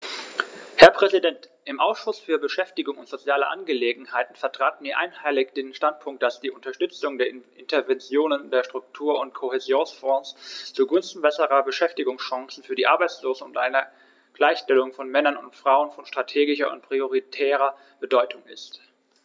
Herr Präsident, im Ausschuss für Beschäftigung und soziale Angelegenheiten vertraten wir einhellig den Standpunkt, dass die Unterstützung der Interventionen der Struktur- und Kohäsionsfonds zugunsten besserer Beschäftigungschancen für die Arbeitslosen und einer Gleichstellung von Männern und Frauen von strategischer und prioritärer Bedeutung ist.